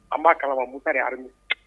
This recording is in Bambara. An b' kala muta ni hamu